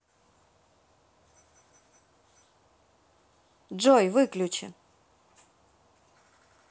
джой выключи